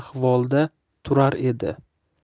ahvolda turar edi